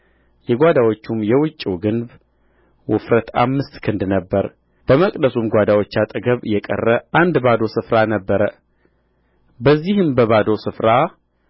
የጓዳዎቹም መሠረት ቁመቱ ሙሉ ዘንግ የሚያህል ስድስት ትልቅ ክንድ ነበረ የጓዳዎቹም የውጭው ግንብ ውፍረት አምስት ክንድ ነበረ በመቅደሱም ጓዳዎች አጠገብ የቀረ አንድ ባዶ ስፍራ ነበረ በዚህም በባዶው ስፍራ